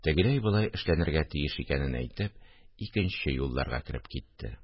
Тегеләй-болай эшләнергә тиеш икәнен әйтеп, икенче юлларга кереп китте